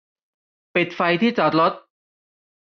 ปิดไฟที่จอดรถ